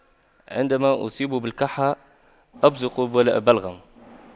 عندما اصيب بالكحة ابصق بلغ بلغم